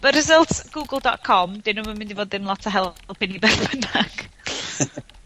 Ma' results Google.com 'dyn nw 'im yn mynd i fod dim lot o help beth bynnag.